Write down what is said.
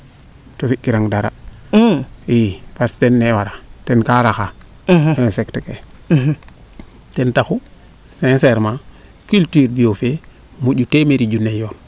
to fi kirang dara i parce que ten ne waraa ten kaa raxaa insecte ke ten taxu sincerement culture bio fee moƴu temeri yoon